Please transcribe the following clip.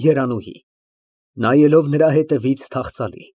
ԵՐԱՆՈՒՀԻ ֊ (Նայելով նրա ետևից թախծալի)։